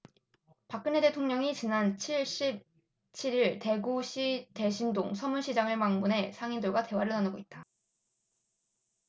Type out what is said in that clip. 박근혜 대통령이 지난달 칠 일 대구시 대신동 서문시장을 방문해 상인들과 대화를 나누고 있다